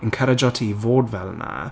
Encyrejo ti i fod fel na...